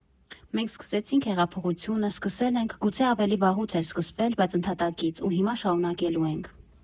Մենք սկսեցինք հեղափոխությունը, սկսել ենք, գուցե ավելի վաղուց էր սկսվել, բայց ընդհատակից, ու հիմա շարունակելու ենք։